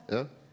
ja.